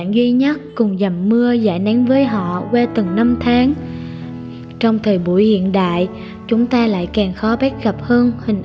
cùng dầm mưa dải nắng với họ qua từng năm tháng trong thời buổi hiện đại chúng ta lại càng khó bắt gặp hơn